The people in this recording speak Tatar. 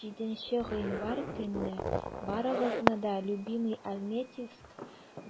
7 гыйнвар көнне барыгызны да "любимыйальметьевск"